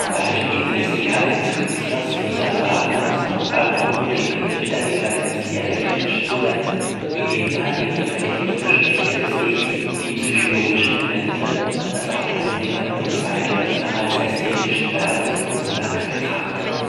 Beispiel des „ Dekadenzkünstlers “Richard Wagner sucht Adorno den Begriff der Dekadenz dialektisch zu retten, indem er die reflektierte „ Schwäche “des Ichs, die „ psychologischen Momente “, das Abgründige und Zweideutige als ästhetischen Wert des Kunstwerks betrachtet